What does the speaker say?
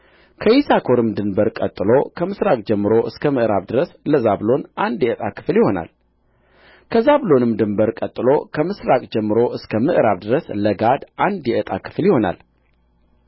ከይሳኮርም ድንበር ቀጥሎ ከምሥራቅ ጀምሮ እስከ ምዕራብ ድረስ ለዛብሎን አንድ የዕጣ ክፍል ይሆናል ከዛብሎንም ድንበር ቀጥሎ ከምሥራቅ ጀምሮ እስከ ምዕራብ ድረስ ለጋድ አንድ የዕጣ ክፍል ይሆናል